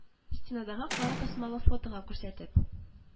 Стенадагы кара тасмалы фотога күрсәтеп